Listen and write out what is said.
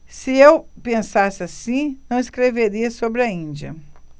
se eu pensasse assim não escreveria sobre a índia